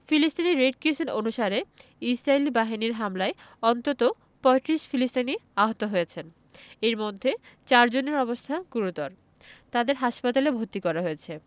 ফিলিস্তিনি red crescent অনুসারে ইসরাইলি বাহিনীর হামলায় অন্তত ৩৫ ফিলিস্তিনি আহত হয়েছেন এর মধ্যে চারজনের অবস্থা গুরুত্বর তাদের হাসপাতালে ভর্তি করা হয়েছে